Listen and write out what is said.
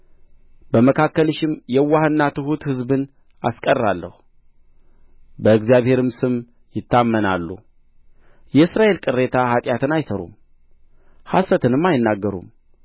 በመካከልሽም የዋህና ትሑት ሕዝብን አስቀራለሁ በእግዚአብሔርም ስም ይታመናሉ የእስራኤል ቅሬታ ኃጢአትን አይሠሩም ሐሰትንም አይናገሩም